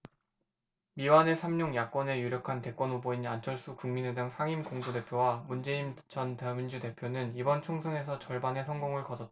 미완의 삼룡 야권의 유력한 대권후보인 안철수 국민의당 상임공동대표와 문재인 전 더민주 대표는 이번 총선에서 절반의 성공을 거뒀다